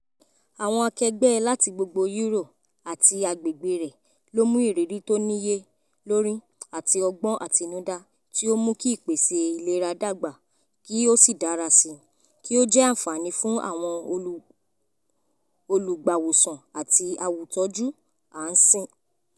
Àwọn akẹgbẹ́ láti gbogbo EU, àti agbègbè reẹ̀, ló mú ìrírí tó níye lórím àti ọgbọ́n àtinúdá tí ó mú kí ìpèsè ilera dàgbà kí ó sì dára síi, kí ó jẹ́ àǹfààní fúnàwọn olùgbàwòsàn àti àwùjọtí á ń sìn.